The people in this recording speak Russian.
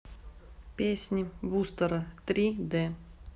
песни бустера три дэ